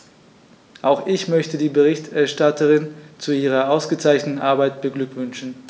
Auch ich möchte die Berichterstatterin zu ihrer ausgezeichneten Arbeit beglückwünschen.